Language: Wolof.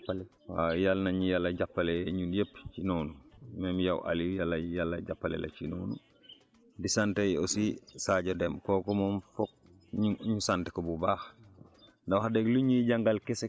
kon bu ma yeboo ma ne man la ñuy jàppale waaw yal na ñu yàlla jàppale ñun yëpp ci noonu même yow Aliou yàlla yàlla jàppale la ci noonu di sant aussi Sadio Deme kooku moom foog ñu ñu sant ko bu baax